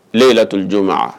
Ne ye la tolij ma